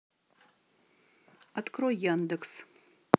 открой яндекс